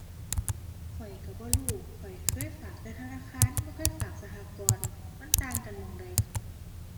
ข้อยก็บ่รู้ ข้อยเคยฝากแต่ธนาคาร บ่เคยฝากสหกรณ์ มันต่างกันหม้องใด